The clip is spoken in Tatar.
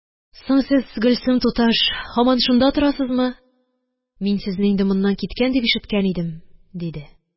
Соң, сез, Гөлсем туташ, һаман шунда торасызмы? Мин сезне инде моннан киткән дип ишеткән идем, – диде.